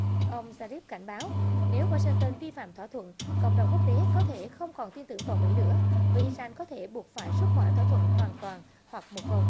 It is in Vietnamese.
ông sa ríp cảnh báo nếu oa sin tơn vi phạm thỏa thuận cộng đồng quốc tế có thể không còn tin tưởng vào mỹ nữa với i ran có thể buộc phải rút khỏi thỏa thuận hoàn toàn hoặc một phần